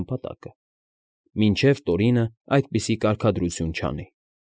Նպատակը, մինչև Տորինն այդպիսի կարգադրություն չանի։